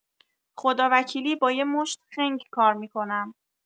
خداوکیلی با یه مشت خنگ کار می‌کنم.